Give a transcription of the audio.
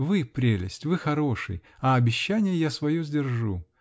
Вы -- прелесть, вы хороший -- а обещание я свое сдержу.